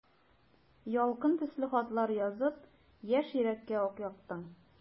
Ялкын төсле хатлар язып, яшь йөрәккә ут яктың.